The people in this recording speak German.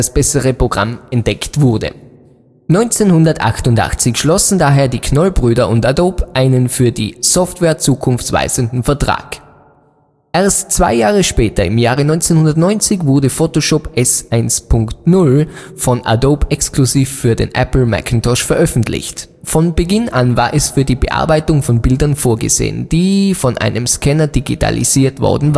bessere Programm entdeckt wurde. 1988 schlossen daher die Knoll-Brüder und Adobe einen für die Software zukunftsweisenden Vertrag. Erst zwei Jahre später, im Februar 1990 wurde Photoshop S1.0 von Adobe exklusiv für den Apple Macintosh veröffentlicht. Von Beginn an war es für die Bearbeitung von Bildern vorgesehen, die von einem Scanner digitalisiert worden